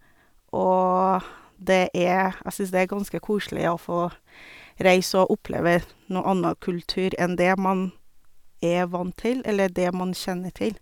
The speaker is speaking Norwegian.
Og det er jeg synes det er ganske koselig å få reise og oppleve noe anna kultur enn det man er vant til, eller det man kjenner til.